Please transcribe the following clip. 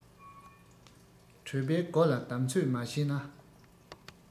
གྲོད པའི སྒོ ལ བསྡམ ཚོད མ བྱས ན